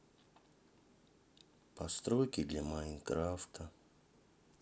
постройки для майнкрафта